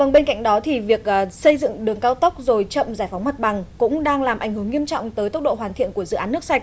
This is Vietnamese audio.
vâng bên cạnh đó thì việc xây dựng đường cao tốc rồi chậm giải phóng mặt bằng cũng đang làm ảnh hưởng nghiêm trọng tới tốc độ hoàn thiện của dự án nước sạch